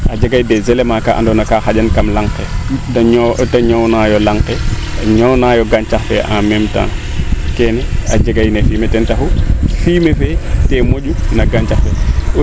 a jega des element kaa ando na kaa xaƴan kam laŋke te te ñoow nayo laŋ ke a ñoow nayo gancax fee en meme temps keene a jega fumier ten taxu fumier fee te moƴu na gancax le